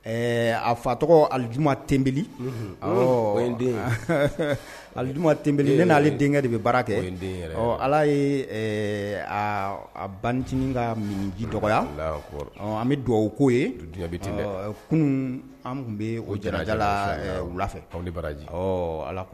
Ɛɛ a fa tɔgɔ alijima t den ali t ne n'ale denkɛ de bɛ baara kɛ den ala ye bancinin ka minji dɔgɔya an bɛ dugawubabu ko ye kun tun bɛ o jarajala wula fɛ baraji ala